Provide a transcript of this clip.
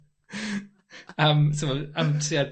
am t'mod am tua...